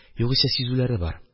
Югыйсә... сизүләре бар.